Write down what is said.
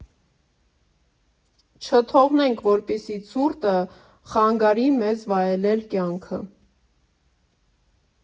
Չթողնենք, որպեսզի ցուրտը խանգարի մեզ վայելել կյանքը։